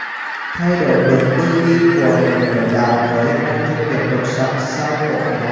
thay đổi được tư duy của đội ngũ lãnh đạo mới mong doanh nghiệp lột xác sau cổ phần hóa